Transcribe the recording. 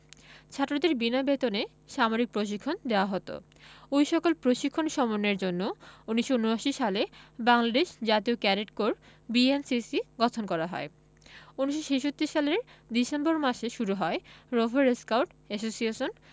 ছাত্রদের বিনা বেতনে সামরিক প্রশিক্ষণ দেওয়া হতো ওই সকল প্রশিক্ষণ সমন্বয়ের জন্য ১৯৭৯ সালে বাংলাদেশ জাতীয় ক্যাডেট কোর বিএনসিসি গঠন করা হয় ১৯৬৬ সালের ডিসেম্বর মাসে শুরু হয় রোভার স্কাউট অ্যাসোসিয়েশন